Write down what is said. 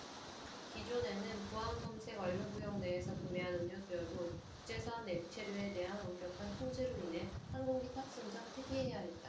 기존에는 보안검색 완료구역 내에서 구매한 음료수여도 국제선 액체류에 대한 엄격한 통제로 인해 항공기 탑승 전 폐기해야 했다